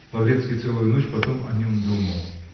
Лаврецкий целую ночь потом о нем думал.